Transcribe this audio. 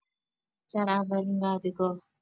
در اولین وعدهگاه